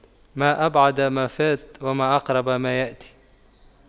ما أبعد ما فات وما أقرب ما يأتي